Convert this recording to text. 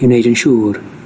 i wneud yn siŵr